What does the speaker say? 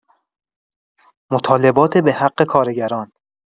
مطالبات به‌حق کارگران